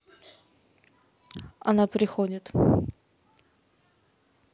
она приходит